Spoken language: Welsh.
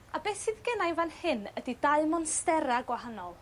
A beth sydd gennai fan hyn ydi dau monstera gwahanol